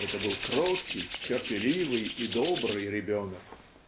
Это был кроткий, терпеливый и добрый ребенок.